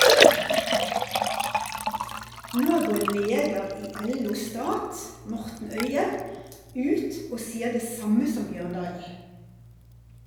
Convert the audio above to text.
Nå går leder i LO Stat , Morten Øye, ut og sier det samme som Bjørndalen.